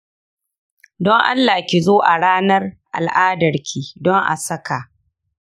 don allah kizo a ranar al'adarki don a saka.